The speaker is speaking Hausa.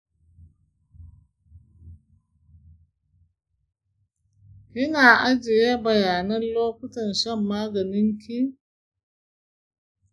kina ajiye bayanan lokutan shan maganinki?